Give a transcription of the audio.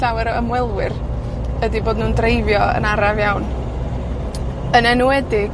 llawer o ymwelwyr, ydi bod nw'n dreifio yn araf iawn. Yn enwedig